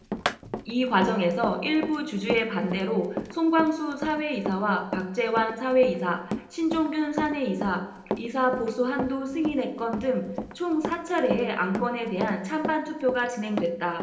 이 과정에서 일부 주주의 반대로 송광수 사외이사와 박재완 사외이사 신종균 사내이사 이사 보수한도 승인의 건 등 총 사 차례의 안건에 대한 찬반 투표가 진행됐다